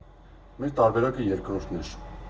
Մեր տարբերակը երկրորդն էր։